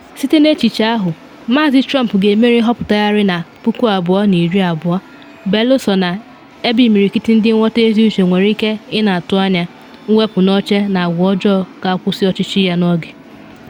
Site na echiche ahụ, Maazị Trump ga-emeri nhọpụtagharị na 2020 belụsọ na, ebe imirikiti ndị nghọta ezi uche nwere ike ị na atụ anya, mwepu n’oche na agwa ọjọọ ga-akwụsị ọchịchị ya n’oge.